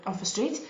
off y stryd.